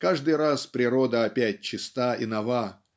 Каждый раз природа опять чиста и нова